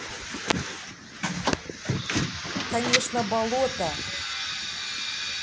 конечно болото